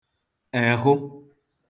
èhụ